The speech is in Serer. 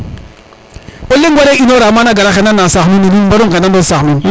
o leŋ ware inora mana a gara xendana sax nuun nuun mbaru ngenanoyo saax nuun